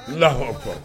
. allahu akbar .